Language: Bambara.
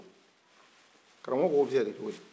karamɔgɔ ko o bɛ se ka kɛ cogo di